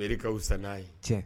Meri ka wusa n'a ye, tiɲɛ